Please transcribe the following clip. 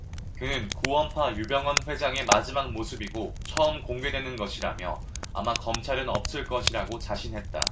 그는 구원파 유병언 회장의 마지막 모습이고 처음 공개되는 것이라며 아마 검찰은 없을 것이라고 자신했다